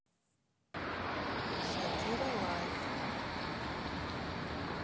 шакира лайф